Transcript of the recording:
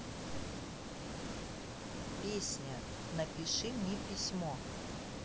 песня напиши мне письмо